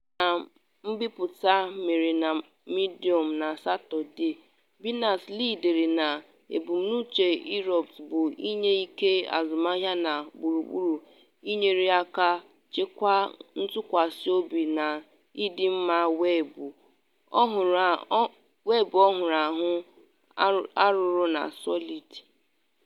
Na mbipụta emere na Medium na Satọde, Berners-Lee dere na “ebumnuche Inrupt bụ inye ike azụmahịa na gburugburu inyere aka chekwaa ntụkwasị obi na ịdị mma weebu ọhụrụ ahụ arụrụ na Solid.”